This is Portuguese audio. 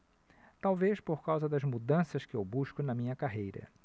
talvez por causa das mudanças que eu busco na minha carreira